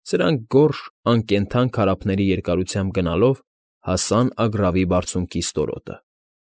Սրանք գորշ, անկենդան քարափների երկարությամբ գնալով հասան Ագռավի Բարձունքի ստորոտը։